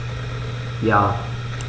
Ja.